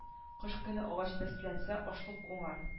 Кыш көне агач бәсләнсә ашлык уңар